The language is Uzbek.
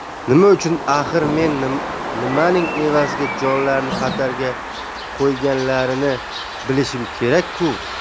nima uchun axir men nimaning evaziga jonlarini xatarga qo'yganlarini bilishim kerak ku